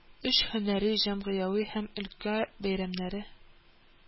Өч һөнәри, җәмгыяви һәм өлкә бәйрәмнәре